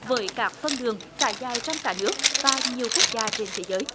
với các phân đường trải dài trong cả nước và nhiều quốc gia trên thế giới